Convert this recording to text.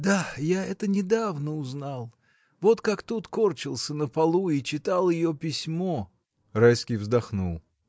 Да, я это недавно узнал: вот как тут корчился на полу и читал ее письмо. Райский вздохнул.